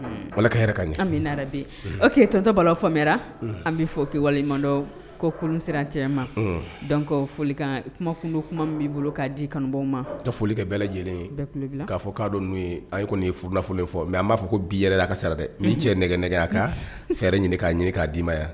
Bala ka ka ɲɛ an bi o k'e ttɔ bala fɔ mɛn an bɛ fɔ k' waledɔ kourun sirantɛma kumakundo kuma min b'i bolo k'a di kanubaw ma dɔ foli kɛ bɛɛ lajɛlen ye k'a fɔ k'a dɔn n'u ye a kɔni ye funafololen fɔ mɛ an b'a fɔ ko bi yɛrɛla ka sara dɛ ni cɛ nɛgɛ nɛgɛ kan fɛɛrɛ ɲini k'a ɲini k'a dii ma yan